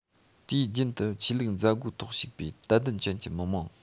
དུས རྒྱུན དུ ཆོས ལུགས མཛད སྒོའི ཐོག ཞུགས པའི དད འདུན ཅན གྱི མི དམངས